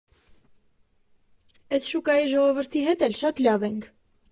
Էս շուկայի ժողովրդի հետ էլ շատ լավ ենք։